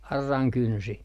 auran kynsi